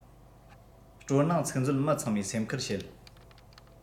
སྤྲོ སྣང ཚིག མཛོད མི ཚང མས སེམས ཁུར བྱེད